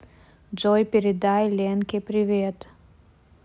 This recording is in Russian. джой передай ленке привет